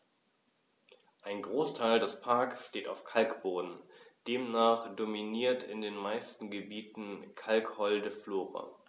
Ein Großteil des Parks steht auf Kalkboden, demnach dominiert in den meisten Gebieten kalkholde Flora.